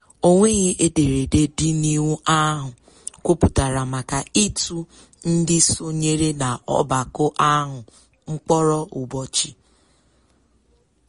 Ọ nweghị ederede dị n'iwu ahụ kwuputara maka ịtụ ndị sonyere na ọgbakọ ahụ mkpọrọ mgbochi.